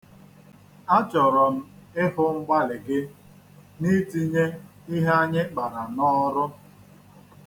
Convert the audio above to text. Achọrọ m ịhụ mgbalị gị n'itnye ihe anyị kpara n'ọrụ.